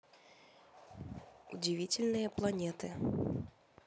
удивительные планеты